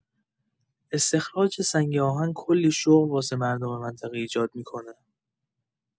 استخراج سنگ‌آهن کلی شغل واسه مردم منطقه ایجاد می‌کنه.